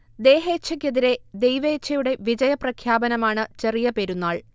ദേഹേഛക്കെതിരെ ദൈവേഛയുടെ വിജയ പ്രഖ്യാപനമാണ് ചെറിയ പെരുന്നാൾ